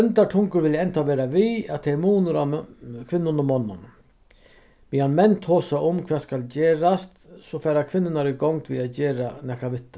óndar tungur vilja enntá vera við at tað er munur á kvinnum og monnum meðan menn tosa um hvat skal gerast so fara kvinnurnar í gongd við at gera nakað við